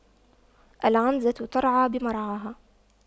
العنزة ترعى بمرعاها